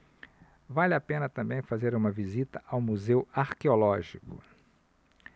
vale a pena também fazer uma visita ao museu arqueológico